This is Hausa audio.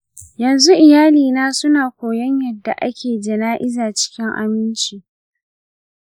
yanzu iyalina suna koyon yadda ake jana’iza cikin aminci.